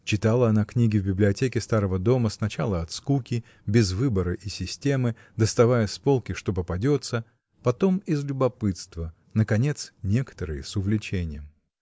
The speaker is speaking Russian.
Читала она книги в библиотеке старого дома, сначала от скуки, без выбора и системы, доставая с полки, что попадется, потом из любопытства, наконец, некоторые с увлечением.